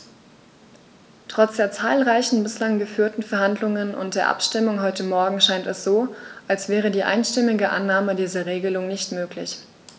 Trotz der zahlreichen bislang geführten Verhandlungen und der Abstimmung heute Morgen scheint es so, als wäre die einstimmige Annahme dieser Regelung nicht möglich.